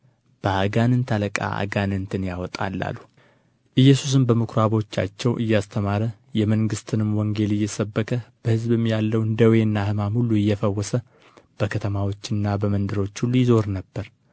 በአጋንንት አለቃ አጋንንትን ያወጣል አሉ ኢየሱስም በምኩራቦቻቸው እያስተማረ የመንግሥትንም ወንጌል እየሰበከ በሕዝብም ያለውን ደዌና ሕማም ሁሉ እየፈወሰ በከተማዎችና በመንደሮች ሁሉ ይዞር ነበር